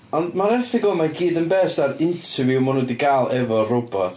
Ond mae'r erthygl yma i gyd yn based ar interview maen nhw 'di gael efo'r robot.